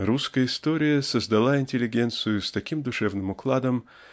Русская история создала интеллигенцию с таким душевным укладом